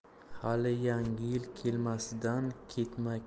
hali yangi yil kelmasidan ketma